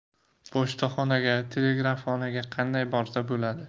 pochtaxonaga telegrafxonaga qanday borsa bo'ladi